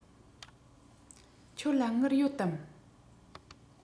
ཁྱོད ལ དངུལ ཡོད དམ